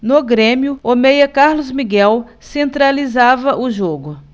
no grêmio o meia carlos miguel centralizava o jogo